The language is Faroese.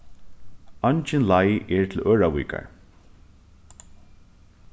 eingin leið er til ørðavíkar